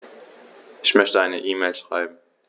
Ich möchte eine E-Mail schreiben.